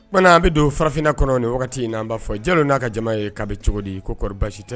O a bɛ don farafinna kɔnɔ wagati in n' b'a fɔ jeliwlo n'a ka jama ye'a bɛ cogo di koɔrisi tɛ